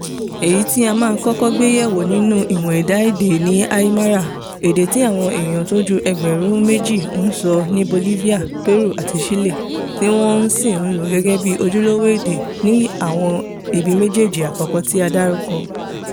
Èyí ti a máa kọ́kọ́ gbé yẹ̀wò nínú ìmọ̀ ẹ̀dá èdè ni Aymara; èdè tí àwọn èèyàn tó ju ẹgbẹ̀rún méjì ń sọ ní Bolivia, Peru àti Chile tí wọ́n sì ń lò gẹ́gẹ́ bi ojúlówó èdè ní àwọn ibi méjèéjí àkọ́kọ́ tí a dárúkọ.